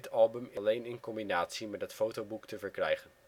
album is alleen in combinatie met het fotoboek te verkrijgen. In